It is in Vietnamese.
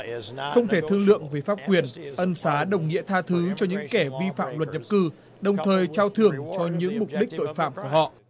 không thể thương lượng về pháp quyền ân xá đồng nghĩa tha thứ cho những kẻ vi phạm luật nhập cư đồng thời trao thưởng cho những mục đích tội phạm của họ